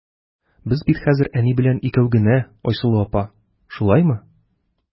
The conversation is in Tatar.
Без бит хәзер әни белән икәү генә, Айсылу апа, шулаймы?